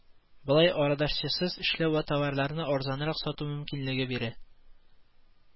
Болай арадашчысыз эшләү товарларны арзанрак сату мөмкинлеге бирә